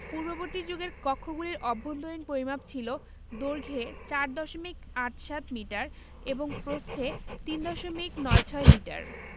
পূর্ববর্তী যুগের কক্ষগুলির অভ্যন্তরীণ পরিমাপ ছিল দৈর্ঘ্যে ৪ দশমিক আট সাত মিটার এবং প্রস্থে ৩ দশমিক নয় ছয় মিটার